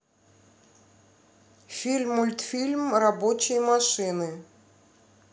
фильм мультфильм рабочие машины